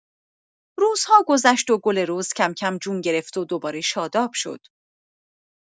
روزها گذشت و گل رز کم‌کم جون گرفت و دوباره شاداب شد.